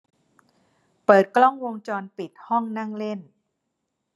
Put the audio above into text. เปิดกล้องวงจรปิดห้องนั่งเล่น